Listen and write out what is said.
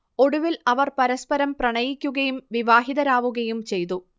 ഒടുവിൽ അവർ പരസ്പരം പ്രണയിക്കുകയും വിവാഹിതരാവുകയും ചെയ്തു